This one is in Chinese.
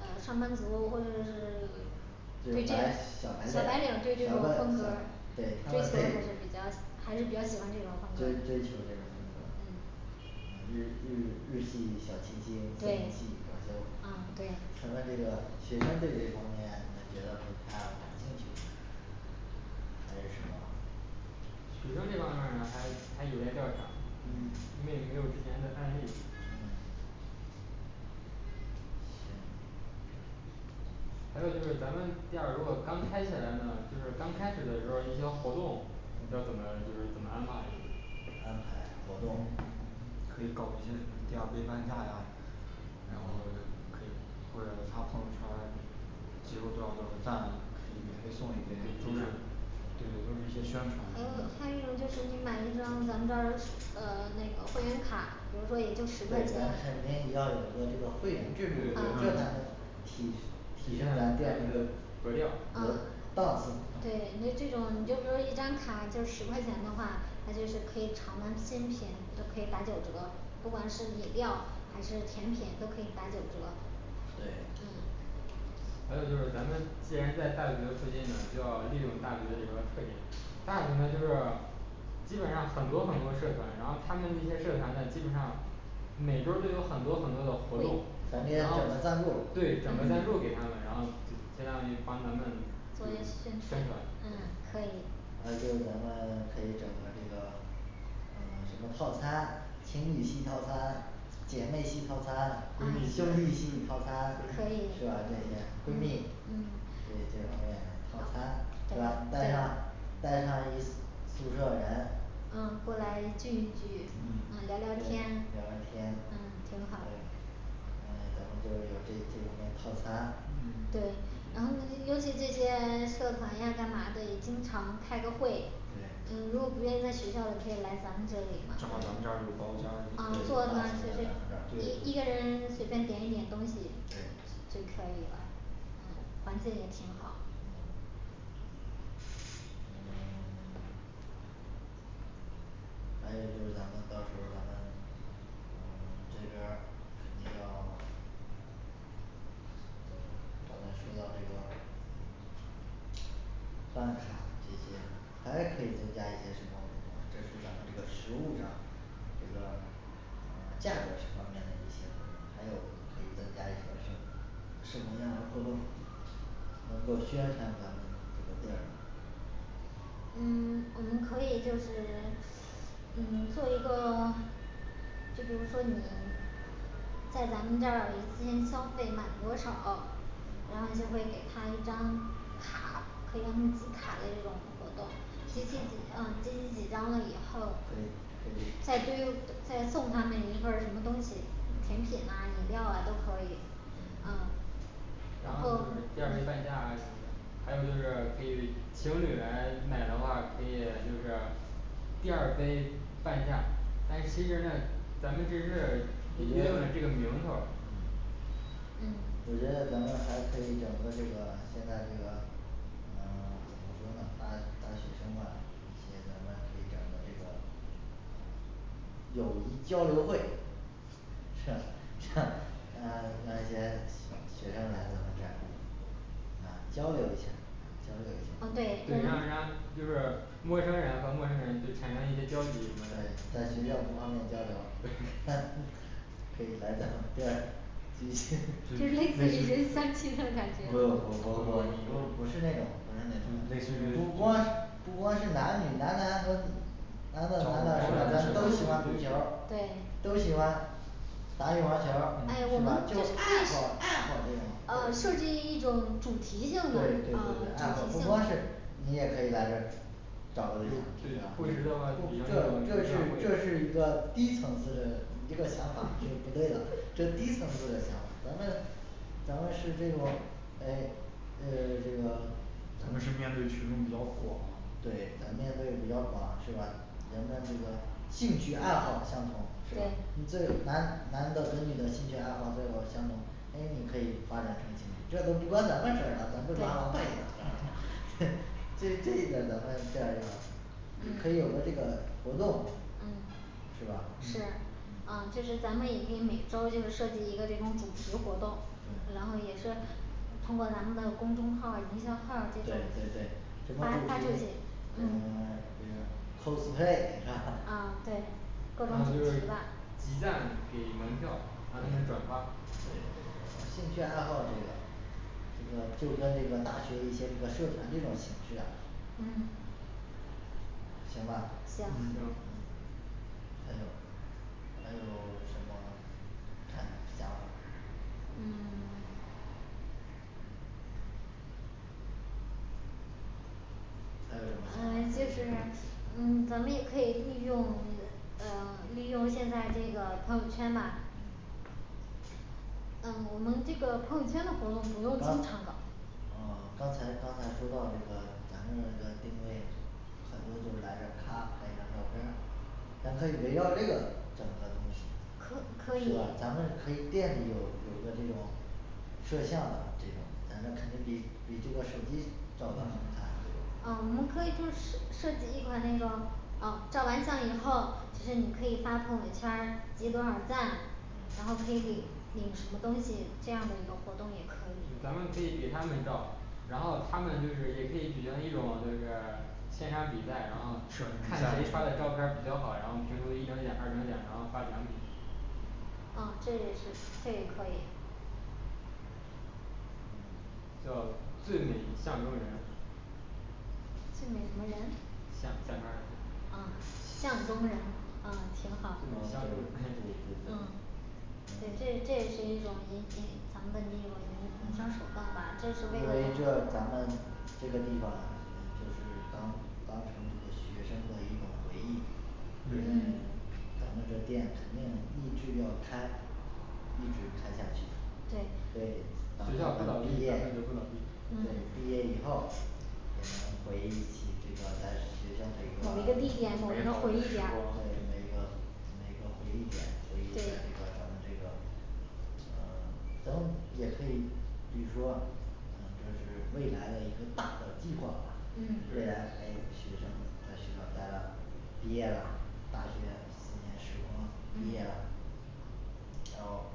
呃上班族或者是 对这小白小小白白领领儿对对这种风格儿追求的他还们是比较还是比较喜欢这种风格追追求儿这种风格儿嗯啊日、日、日系、小清新对系装修，啊对这个学生对这方面我觉得很大的感兴趣还是什么学生这方面儿呢还还有待调查嗯嗯因为没有之前的案例嗯行还有就是咱们店儿如果刚开起来呢，就是刚开始的时候儿一些活动要怎么就是怎么安排就安排活动可以搞一些什么第二杯半价啦然后是可以或者是发朋友圈儿集够多少个赞可以免费送一杯啊对都是一些宣传还有一种就是你买一张咱们这儿呃那个会员卡比如说也就十块对咱钱啊肯定要有一个这个会对员对制度对体体现咱店这个格调儿啊倒数对那这种就比如一张卡就十块钱的话，它就是可以尝咱新品都可以打九折不管是饮料儿还是甜品都可以打九折对还有就是咱们既然在大学附近呢就要利用大学的这个特点，大学呢就是基本上很多很多社团，然后他们那些社团呢基本上每周儿都有很多很多的活动惠然咱后们对应该选选择择赞赞助助给他们然后就相当于帮咱们做一些宣宣传传嗯可以还有就是咱们可以整个这个呃 什么套餐情侣系套餐姐妹系套餐、闺蜜闺嗯蜜系系套餐可以是吧这些闺嗯蜜嗯这这方面的套餐是吧带对上带上一宿舍人嗯过来聚一聚，嗯聊聊天对聊聊天嗯挺好对嗯咱们就有这些套嗯餐对然后呃尤其这些 社团呀干嘛的也经常开个会对嗯如果不愿意在学校的可以来咱们这里嘛像咱们这儿有包间儿啊对对坐那儿其实一对一个对人随便点一点东西就就可以了嗯环境也挺好呃 还有就是咱们到时候儿咱们呃 这边儿嗯你要嗯刚才说到这个办卡这些还可以增加一些什么活动这是咱们这个实物上这个呃价格这方面的一些活动还有可以增加一个什什么样的活动能够宣传咱们这个店儿呢嗯 我们可以就是嗯 做一个 就比如说你在咱们这儿一次性消费满多少，然后就嗯会给他一张卡，可以让他们集卡的这种活动集集进集卡啊集进几张了以后可以可以再多用多再送他们一份儿什么东西甜嗯品啊饮料啊都可以啊然然后后就是第二杯半价啊什么的，还有就是可以情侣来买的话，可以就是第二杯半价儿但是其实呢咱们这是因为引用了这个名头儿嗯嗯我觉得咱们还可以整个这个现在这个嗯 怎么说呢大大学生呢一些，咱们可以整个这个友谊交流会 让那些学生来咱们这儿呃交流一下儿交啊流对对一下咱然后然后们就是陌生人和陌生人就产生一些交集对交流一下儿对对在学校不方便交流 可以来咱们店儿就类似于人相亲的感不不不不不 觉 不是那种不是那种不光是不光是男女男男和男的男的是吧咱都喜欢足球儿，对都喜欢打羽毛球诶我们儿这就爱好爱好这种对啊设计对一种主题性的对爱啊好主不题性光的是你也可以来这儿找个对对的象不行的话举这这是一行个低层次的一个想法这 低层次的想法咱们咱们是那种呃是那个咱们是面对群众比较广对咱们面对比较广是吧人的那个兴趣爱好相同对你这个男男的和女的兴趣爱好都有相同诶你可以发展成情侣，这都不关咱们事儿了咱对们 这这个咱们店儿要可以有嗯个活动嗯是吧是啊就是嗯嗯咱们也可以每周儿就是设计一个这种主题活动然后对也是通过咱们的公众号儿营销号儿这对种发发出对去对发出去嗯嗯 这个Cosplay 啊啊对各咱种们举是办集赞给门票让他们转发对兴趣爱好什么的那个就跟那个大学一些团社团这种形式的嗯行吧嗯行嗯还有还有什么还想法儿嗯 还有什么呃就是嗯咱们也可以利用呃 利用现在这个朋友圈吧嗯呃我们这个朋友圈的活动不用经常刚搞哦刚才刚才说到这个咱们这个定位很多就是这儿咔拍一张照片儿，咱可以围绕这个整个东西可可是以吧咱们可以店里有有个这种摄像的这种，咱们可以给给这个手机照相拍啊摄我们可以就是设计一款那个啊照完相以后就是你可以发朋友圈儿集多少赞，然后嗯可以领领什么东西，这样的一个活动也对可以咱们可以给他们照然后他们就是也可以举行一种就是线上比赛，然后看看你发的照片儿比较好，然后评出一等奖二等奖，然后发奖品啊这也是这也可以嗯叫最美象征人最美什么人相相片儿人啊相中人啊挺好最美相中人嗯对这也这也是一种营营，咱们的这种营营销手段吧，这是为也就是了咱们这个地方嗯就是当当成学生的一种回忆嗯对咱们这个店肯定励志要开。一直开下去对对店对学校不倒闭咱们就不倒闭嗯毕业以后也能回忆起这个在学某一个校地这点某一个美个好回的忆对每时点光儿个每个回忆点回忆在这对个咱们这个呃 咱们也可以比如说呃就是未来的一个大的计划吧这嗯样诶学生在学校待了毕业了大学四年时光毕业了嗯，然后